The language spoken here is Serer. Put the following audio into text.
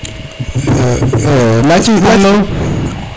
yaci alo